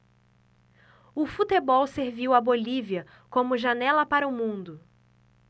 o futebol serviu à bolívia como janela para o mundo